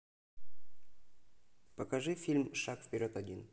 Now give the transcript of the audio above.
покажи фильм шаг вперед один